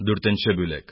Дүртенче бүлек